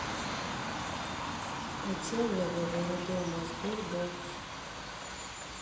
о чем я говорю дома sberbox